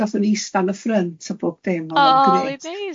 Ag gathon ni ista yn y ffrynt, a bob dim o'dd o'n grêt.